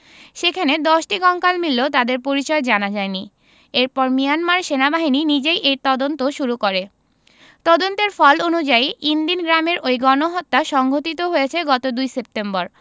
সেখানে ১০টি কঙ্কাল মিললেও তাদের পরিচয় জানা যায়নি এরপর মিয়ানমার সেনাবাহিনী নিজেই এর তদন্ত শুরু করে তদন্তের ফল অনুযায়ী ইনদিন গ্রামের ওই গণহত্যা সংঘটিত হয়েছে গত ২ সেপ্টেম্বর